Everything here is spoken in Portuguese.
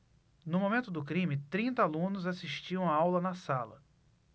no momento do crime trinta alunos assistiam aula na sala